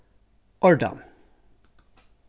ordan